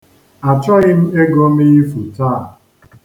Achọghị m ego m ifu taa.